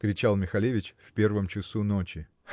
-- кричал Михалевич в первом часу ночи.